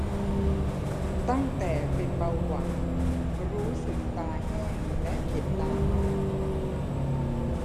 ตั้งแต่เป็นเบาหวานรู้สึกตาแห้งและเจ็บตามาก